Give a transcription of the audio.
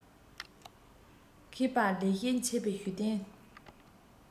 མཁས པ ལེགས བཤད འཆད པའི ཞུ རྟེན